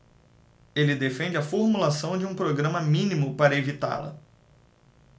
ele defende a formulação de um programa mínimo para evitá-la